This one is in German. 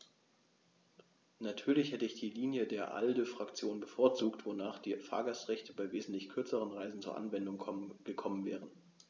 Natürlich hätte ich die Linie der ALDE-Fraktion bevorzugt, wonach die Fahrgastrechte bei wesentlich kürzeren Reisen zur Anwendung gekommen wären.